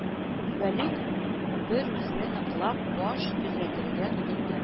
Вәлүк берүзе ныклап баш төзәтергә тотынды